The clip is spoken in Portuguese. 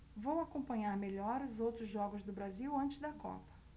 vou acompanhar melhor os outros jogos do brasil antes da copa